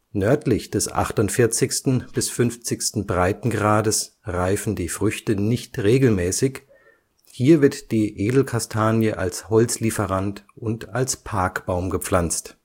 Nördlich des 48. bis 50. Breitengrades reifen die Früchte nicht regelmäßig, hier wird die Edelkastanie als Holzlieferant und als Parkbaum gepflanzt